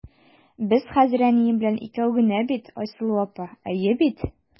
Без хәзер әнием белән икәү генә бит, Айсылу апа, әйе бит?